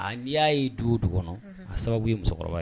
A n'i y'a ye du o du kɔnɔ a sababu ye musokɔrɔba ye.